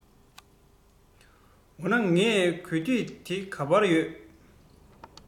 འོ ན ངའི གོས ཐུང དེ ག པར ཡོད